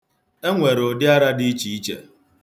E nwere ụdị ara dị iche iche.